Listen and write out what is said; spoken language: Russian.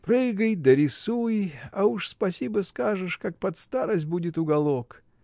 — Прыгай да рисуй, а ужо спасибо скажешь, как под старость будет уголок.